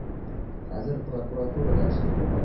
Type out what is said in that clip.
Хәзер прокуратурада эшли бугай.